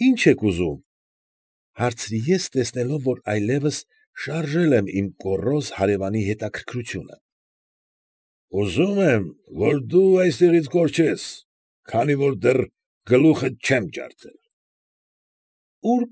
Ի՞նչ եք ուզում,֊ հարցրի ես, տեսնելով, որ այլևս շարժել եմ իմ գոռոզ հարևանի հետաքրքրությունը։ ֊ Ուզում եմ, որ դու այստեղից կորչես, քանի որ դեռ գլուխդ չեմ ջարդել։ ֊ Ո՞ւր։